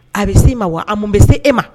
A bɛ se e ma wa a mun bɛ se e ma